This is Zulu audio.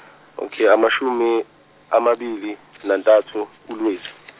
ok amashumi amabili nantathu uLwezi.